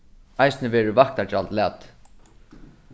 eisini verður vaktargjald latið